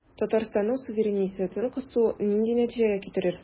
Татарстанның суверенитетын кысу нинди нәтиҗәгә китерер?